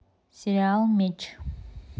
сериал меч